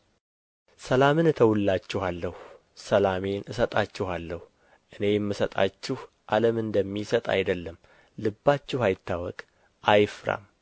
ሰላምን እተውላችኋለሁ ሰላሜን እሰጣችኋለሁ እኔ የምሰጣችሁ ዓለም እንደሚሰጥ አይደለም ልባችሁ አይታወክ አይፍራም